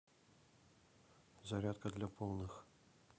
зарядка для полных